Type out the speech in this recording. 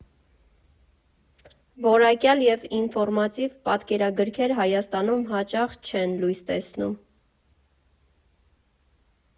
Որակյալ և ինֆորմատիվ պատկերագրքեր Հայաստանում հաճախ չեն լույս տեսնում։